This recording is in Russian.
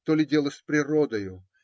То ли дело с природою.